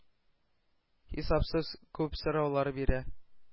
Хисапсыз күп сораулар бирә,